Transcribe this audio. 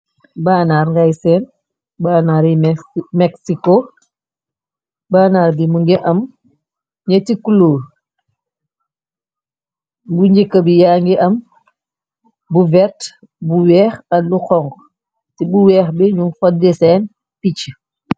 Bannar ngay seen bannar yi mexico bannar di mu ngi am ñetti klur bu njëkka bi ya ngi am bu vert bu weex at lukong ci bu weex bi ñu foddé seen picc